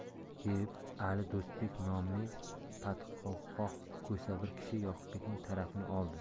deb ali do'stbek nomli badqovoq ko'sa bir kishi yoqubbekning tarafini oldi